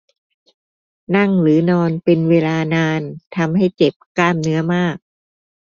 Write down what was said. นั่งหรือนอนเป็นเวลานานทำให้เจ็บกล้ามเนื้อมาก